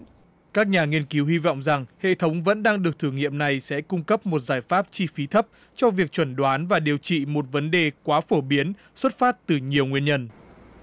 các nhà nghiên cứu hy vọng rằng hệ thống vẫn đang được thử nghiệm này sẽ cung cấp một giải pháp chi phí thấp cho việc chẩn đoán và điều trị một vấn đề quá phổ biến xuất phát từ nhiều nguyên nhân